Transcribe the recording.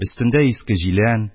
Өстендә иске җилән,